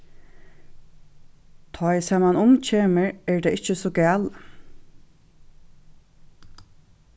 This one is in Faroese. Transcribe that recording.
tá ið samanum kemur er tað ikki so galið